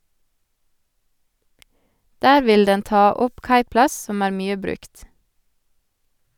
Der ville den ta opp kaiplass som er mye brukt.